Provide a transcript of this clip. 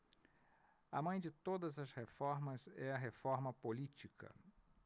a mãe de todas as reformas é a reforma política